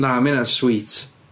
Na, mae rheina'n sweet.